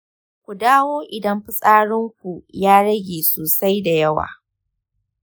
ku dawo idan fitsarinku ya rage sosai da yawa.